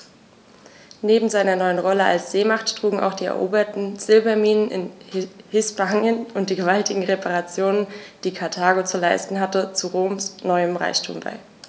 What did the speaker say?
Neben seiner neuen Rolle als Seemacht trugen auch die eroberten Silberminen in Hispanien und die gewaltigen Reparationen, die Karthago zu leisten hatte, zu Roms neuem Reichtum bei.